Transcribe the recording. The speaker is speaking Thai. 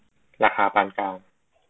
ราคาปานกลาง